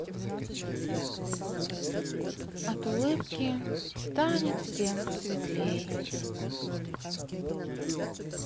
от улыбки станет всем светлей